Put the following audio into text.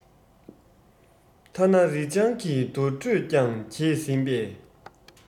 ཐ ན རི སྤྱང གི འདུར འགྲོས ཀྱང གྱེས ཟིན པས